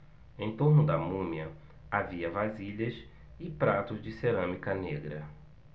em torno da múmia havia vasilhas e pratos de cerâmica negra